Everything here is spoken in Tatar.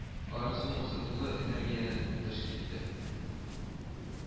Аларның суммасы тулы энергияне тәшкил итә